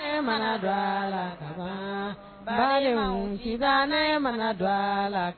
Nɛ mana do a la kabaan balemaw sitanɛ mana do a la k